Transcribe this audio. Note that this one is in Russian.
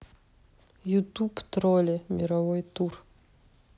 ютуб тролли мировой тур